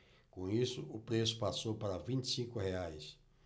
com isso o preço passou para vinte e cinco reais